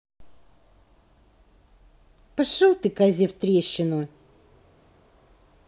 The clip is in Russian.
пошел ты козе в трещину